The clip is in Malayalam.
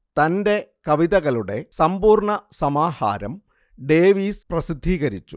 തന്റെ കവിതകളുടെ സമ്പൂർണ സമാഹാരം ഡേവീസ് പ്രസിദ്ധീകരിച്ചു